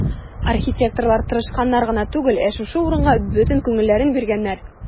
Архитекторлар тырышканнар гына түгел, ә шушы урынга бөтен күңелләрен биргәннәр.